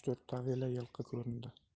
to'rt tavila yilqi ko'rindi